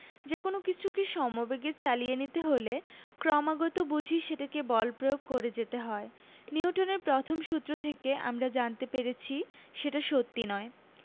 যেকোনো কিছুকে সমবেগে চালিয়ে নিতে হলে ক্রমাগত বুঝি সেটাকে বল প্রয়োগ করে যেতে হয় নিউটনের প্রথম সূত্র থেকে আমরা জানতে পেরেছি সেটা সত্যি নয়